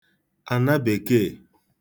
àna bèkeè